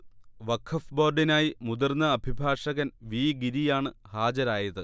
വഖഫ് ബോർഡിനായി മുതിർന്ന അഭിഭാഷകൻ വി ഗിരിയാണ് ഹാജരായത്